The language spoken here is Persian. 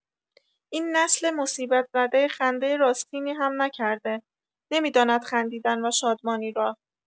این نسل مصیبت‌زده خنده راستینی هم نکرده، نمی‌داند خندیدن و شادامانی را!